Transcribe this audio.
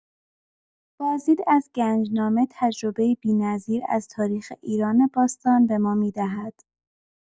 بازدید از گنجنامه تجربه‌ای بی‌نظیر از تاریخ ایران باستان به ما می‌دهد.